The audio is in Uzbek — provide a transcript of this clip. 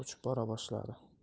uchib bora boshladi